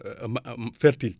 ma fertile